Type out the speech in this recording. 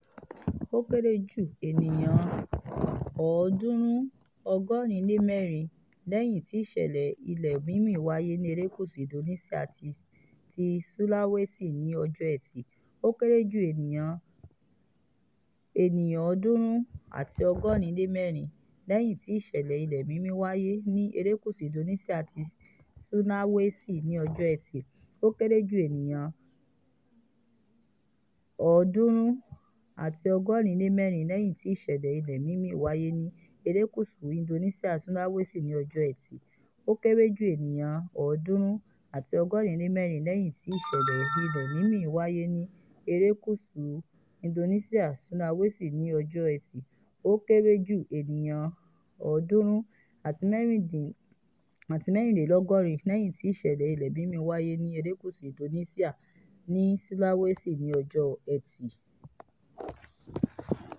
O kere ju eniyan 384 lẹhin ti ìṣẹlẹ ilẹ mimi waye ni erekuṣu Indonesia ti Sulawesi ni Ọjọ Ẹtì.